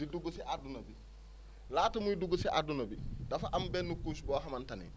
di dugg ci adduna bi laata muy dugg si adduna bi dafa am benn couche boo xamante ne